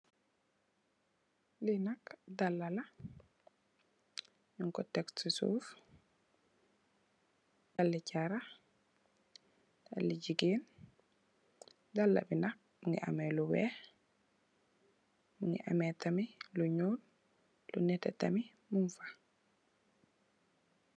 li nak dala la nyung ko tek ci so of dali charakh dali jigeen dala bi nak mungi ameh lu weex mungi ameh tamit lu nyool lu neteh tamit mung fa